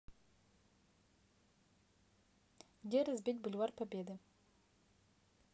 где разбить бульвар победы